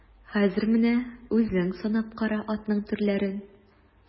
Хәзер менә үзең санап кара атның төрләрен.